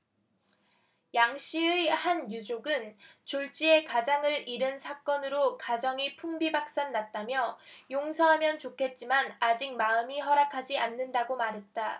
양 씨의 한 유족은 졸지에 가장을 잃은 사건으로 가정이 풍비박산 났다며 용서하면 좋겠지만 아직 마음이 허락하지 않는다고 말했다